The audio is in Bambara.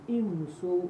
I muso